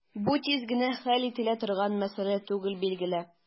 Бу тиз генә хәл ителә торган мәсьәлә түгел, билгеле.